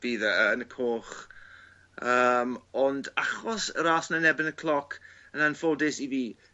bydd yy yn y coch. Yym ond achos y ras 'na yn erbyn y cloc yn anffodus i fi